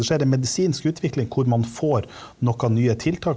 det skjer ei medisinsk utvikling hvor man får noen nye tiltak.